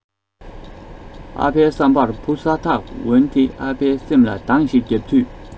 ཨ ཕའི བསམ པར བུ ས ཐག འོན ཏེ ཨ ཕའི སེམས ལ གདང ཞིག བརྒྱབ དུས